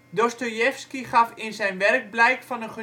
Dostojevski gaf in zijn werk blijk van een